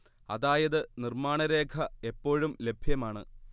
അതായത് നിർമ്മാണരേഖ എപ്പോഴും ലഭ്യമാണ്